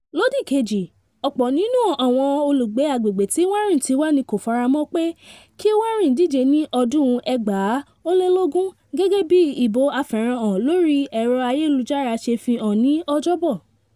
Lódì kejì, ọ̀pọ̀ nínú àwọn olùgbé agbègbè tí Warren ti wá ni kò fara mọ́ ọ pé kí Warren díje ní ọdún 2020 gẹ́gẹ́ bí ìbò afèròhàn lórí ẹ̀rọ ayélujára ṣe fi hàn ní Ọjọ́bọ̀.